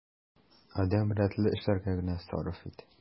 Адәм рәтле эшләргә генә сарыф ит.